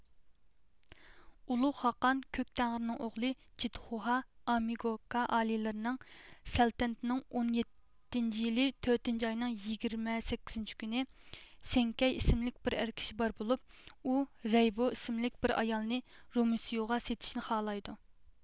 ئۇلۇغ خاقان كۆك تەڭرىنىڭ ئوغلى جىتخۇھا ئامگوكا ئالىيلىرىنىڭ سەلتەنىتىنىڭ ئون يەتتىنچى يىلى تۆتىنچى ئاينىڭ يىگىرمە سەككىزىنچى كۈنى سېڭكەي ئىسىملىك بىر ئەر كىشى بار بولۇپ ئۇ رەيبو ئىسىملىك بىر ئايالنى رومېيسۇغا سېتىشنى خالايدۇ